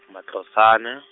Matlhosana.